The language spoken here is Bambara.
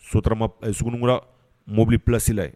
Sotara sunurununkura mobili plasila yen